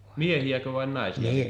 miehiäkö vai naisia